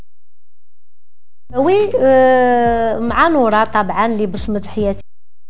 مع نوره طبعا